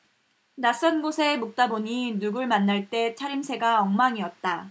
낯선 곳에 묵다 보니 누굴 만날 때 차림새가 엉망이었다